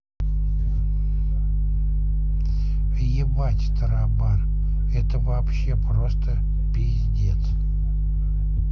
ебать табаран это вообще просто пиздец